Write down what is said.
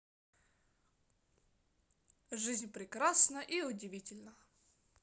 жизнь прекрасна и удивительна